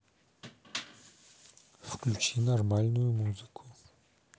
включи нормальную музыку